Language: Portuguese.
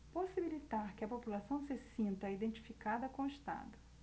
possibilitar que a população se sinta identificada com o estado